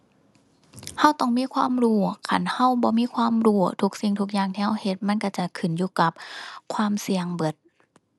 เราต้องมีความรู้ คันเราบ่มีความรู้ทุกสิ่งทุกอย่างที่เราเฮ็ดมันเราจะขึ้นอยู่กับความเสี่ยงเบิด